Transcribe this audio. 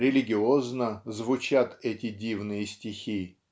религиозно звучат эти дивные стихи